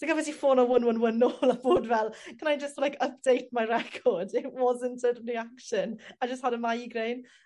So gorffos i ffono one one one nôl a bod fel can i jyst like update my record it wasn't a reaction I just had a migraine.